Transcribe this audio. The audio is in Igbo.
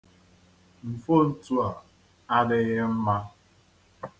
Mfontu a adịghị mma.